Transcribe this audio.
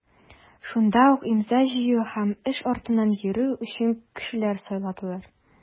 Шунда ук имза җыю һәм эш артыннан йөрү өчен кешеләр сайладылар.